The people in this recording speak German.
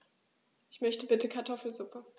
Ich möchte bitte Kartoffelsuppe.